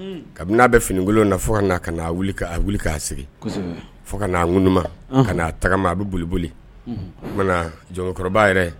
Kabini n'a bɛ finikolon na fo ka a wuli k'a sigi fo ka' ŋuma kana'a tagama a bɛ boli boli o jɔnkɔrɔba yɛrɛ